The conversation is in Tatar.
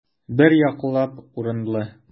Бер яклап урынлы.